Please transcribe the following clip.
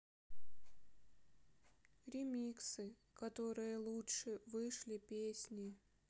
ремиксы которые лучше вышли песни